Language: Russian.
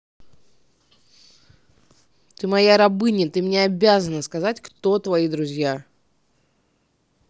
ты моя рабыня ты мне обязана сказать кто твои друзья